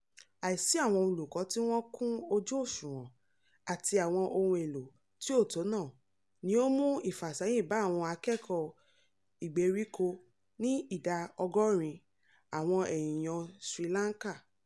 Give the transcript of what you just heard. Àìsí àwọn olùkọ tí wọ́n kún ojú òṣùwọ̀n àti àwọn ohun èlò tí ó tó [náà] ni ó ń mú ìfàsẹ́yìn bá àwọn akẹ́kọ̀ọ́ ìgbèríko ní ìdá 80% àwọn èèyàn Sri Lanka.